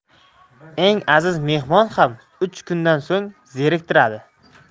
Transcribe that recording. eng aziz mehmon ham uch kundan so'ng zeriktiradi